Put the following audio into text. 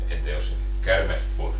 entä jos käärme puri